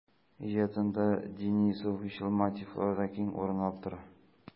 Иҗатында дини-суфыйчыл мотивлар да киң урын алып тора.